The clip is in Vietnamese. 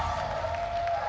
về